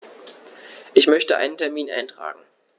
Ich möchte einen Termin eintragen.